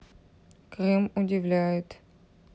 крым удивляет